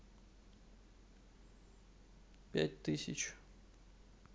пять тысяч